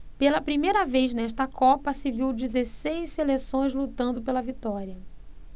pela primeira vez nesta copa se viu dezesseis seleções lutando pela vitória